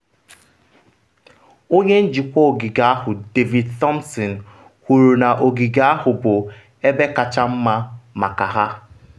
Onye njikwa ogige ahụ David Thompson kwuru na ogige ahụ bụ ebe kacha mma maka ha.